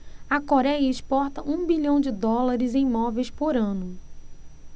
a coréia exporta um bilhão de dólares em móveis por ano